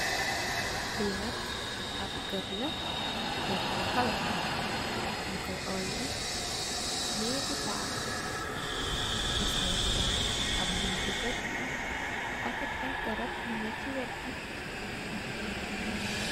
Lee nak ab kerr la kerr bu kaweh nukuye oyeh neegu taah gissnen ehtam ab buntu kerr aket aye garab yee nesewet be.